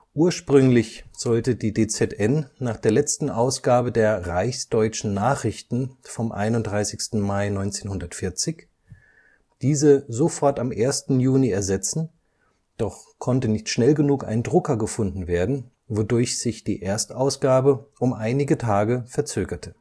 Ursprünglich sollte die DZN nach der letzten Ausgabe der Reichsdeutschen Nachrichten vom 31. Mai 1940 diese sofort am 1. Juni ersetzen, doch konnte nicht schnell genug ein Drucker gefunden werden, wodurch sich die Erstausgabe um einige Tage verzögerte